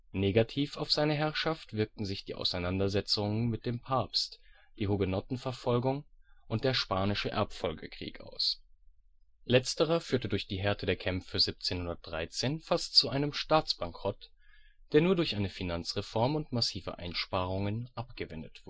Negativ auf seine Herrschaft wirkten sich die Auseinandersetzungen mit dem Papst, die Hugenotten-Verfolgung und der Spanische Erbfolgekrieg aus. Letzterer führte durch die Härte der Kämpfe 1713 fast zu einem Staatsbankrott, der nur durch eine Finanzreform und massive Einsparungen abgewendet